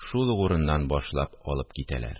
Шул ук урыннан башлап алып китәләр